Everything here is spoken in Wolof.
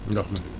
ndox mi